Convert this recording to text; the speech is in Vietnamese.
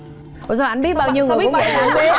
ủa sao anh biết bao nhiêu người cũng vậy